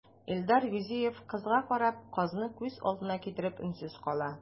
Илдар Юзеев, кызга карап, казны күз алдына китереп, өнсез кала.